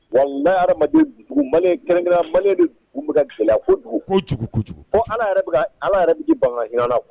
Walahi hadamaden dusukun Maliyɛn kɛrɛnkɛrɛnnenya la Maliyɛn de dusukun bɛ ka gɛlɛya kojugu kojugu kojugu, bon Ala yɛrɛ bɛ ka, Ala yɛrɛ bɛ k'i ban ka hinɛ an na